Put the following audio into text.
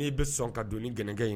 N'i bɛ sɔn ka don ni gɛlɛya in